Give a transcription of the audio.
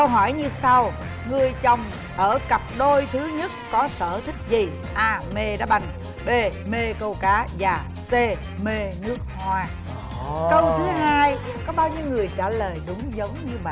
câu hỏi như sau người chồng ở cặp đôi thứ nhất có sở thích gì a mê đá banh bê mê câu cá và xê mê nước hoa câu thứ hai có bao nhiêu người trả lời đúng giống như bạn